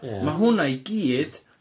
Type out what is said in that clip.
Ia. Ma' hwnna i gyd